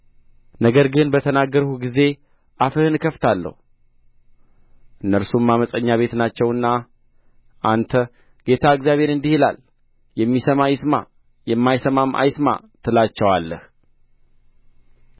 ነገር ግን በተናገርሁህ ጊዜ አፍህን እከፍታለሁ እነርሱም ዓመፀኛ ቤት ናቸውና አንተ ጌታ እግዚአብሔር እንዲህ ይላል የሚሰማ ይስማ የማይሰማም አይስማ ትላቸዋለህ